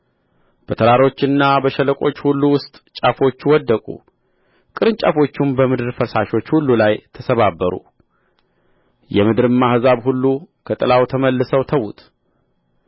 በተራሮችና በሸለቆች ሁሉ ውስጥ ጫፎቹ ወደቁ ቅርንጫፎቹም በምድር ፈሳሾች ሁሉ ላይ ተሰባበሩ የምድርም አሕዛብ ሁሉ ከጥላው ተመልሰው ተዉት